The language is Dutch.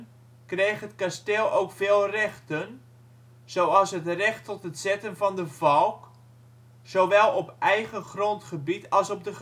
kreeg het kasteel ook veel rechten, zoals het recht ' tot het zetten van de valk ', zowel op eigen grondgebied als op de